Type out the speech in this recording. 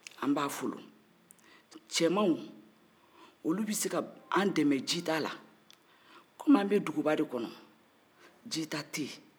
an b'a folon cɛmanw olu bɛ se ka an dɛmɛ jita la komi an bɛ duguba de kɔnɔ jita tɛ yen